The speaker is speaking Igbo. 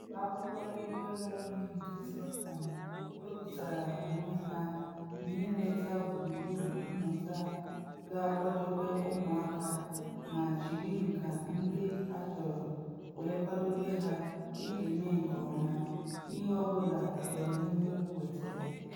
Ụlọ akwụkwọ ndị nnwere onwe nke Scotland wepụtara onwe ha na iwete gburugburu mmụta ga-akwadobe ụmụaka ma jiri nka ndị achọrọ wee kwadobe ha iji mee nke ọma, ihe ọ bụla ọdịnihu wetere.